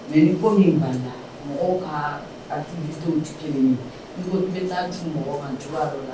Mais ni ko min balila mɔgɔw kaa activité w tɛ kelen ye, ni ko k'i bɛ taa cun mɔgɔ kan cogoya dɔ la